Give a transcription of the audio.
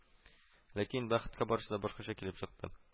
Ләкин, бәхеткә, барысы да башкача килеп чыкты